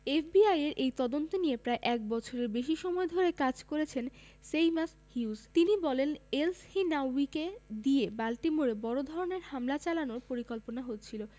এফবিআইয়ের এই তদন্ত নিয়ে প্রায় এক বছরের বেশি সময় ধরে কাজ করেছেন সেইমাস হিউজ তিনি বলেন এলসহিনাউয়িকে দিয়ে বাল্টিমোরে বড় ধরনের হামলা চালানোর পরিকল্পনা হচ্ছিল